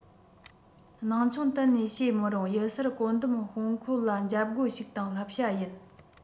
སྣང ཆུང གཏན ནས བྱེད མི རུང གཡུལ སར བཀོད འདོམས དཔོན ཁོ ལ འཇབ རྒོལ ཞིག དང བསླབ བྱ ཡིན